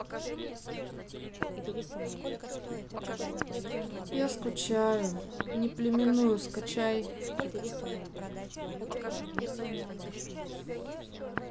я скучаю неплеменную скачай